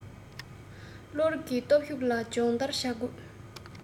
བློ རི གི སྟོབས ཤུགས ལ སྦྱོང བརྡར བྱ དགོས